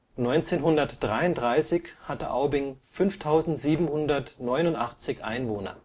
1933 hatte Aubing 5789 Einwohner